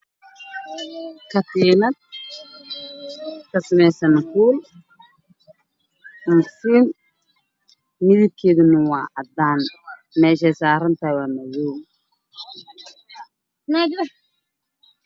Waa ka tiiinad ka samaysan kuulal midabkeedu yihiin haddaan meesha ay saaran tahayna waa madow